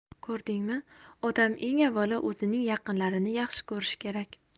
ko'rdingmi odam eng avvalo o'zining yaqinlarini yaxshi ko'rishi kerak